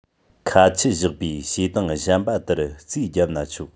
ཁ ཆད བཞག པའི བྱེད སྟངས གཞན པ ལྟར རྩིས བརྒྱབ ན ཆོག